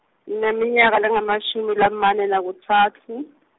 Ngineminyaka lengemashumi lamane nakutsatfu.